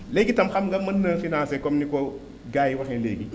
léegi itam xam nga mën na financé comme ni ko gars yi waxee léegi